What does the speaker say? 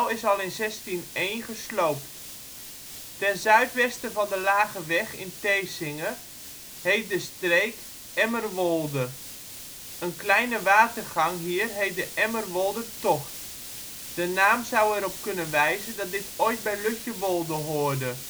is al in 1601 gesloopt. Ten zuidwesten van de Lageweg in Thesinge heet de streek (nog steeds?) Emmerwolde. Een kleine watergang hier heet de Emmerwoldertocht. De naam zou erop kunnen wijzen dat dit ooit bij Lutjewolde hoorde